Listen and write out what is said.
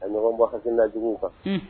A ɲɔgɔn bɔ haina jugu kan